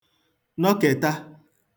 nọkèta